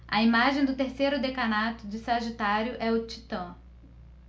a imagem do terceiro decanato de sagitário é o titã